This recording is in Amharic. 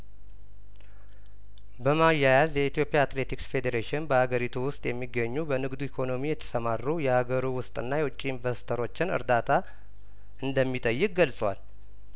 በማያያዝ የኢትዮጵያ አትሌቲክስ ፌዴሬሽን በሀገሪቱ ውስጥ የሚገኙ በንግዱ ኢኮኖሚ የተሰማሩ የሀገር ውስጥና የውጭ ኢንቨስተሮችን እርዳታ እንደሚጠይቅ ገልጿል